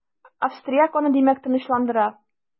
Австрияк аны димәк, тынычландыра.